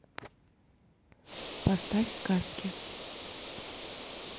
поставь сказки